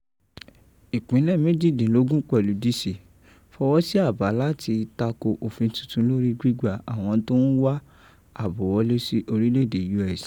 Ìpínlẹ̀ méjìdínlógún pẹ̀lú D.C. fọwọ́ sí àbá láti tako ofin titun lórí gbigba àwọn tó ń wá àbò wọlé sí orílẹ̀èdè US.